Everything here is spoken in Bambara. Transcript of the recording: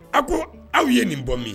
A ko aw ye nin bɔ min ye